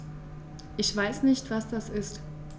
Ich weiß nicht, was das ist.